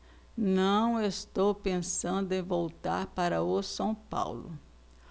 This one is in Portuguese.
não estou pensando em voltar para o são paulo